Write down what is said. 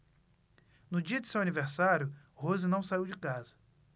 no dia de seu aniversário rose não saiu de casa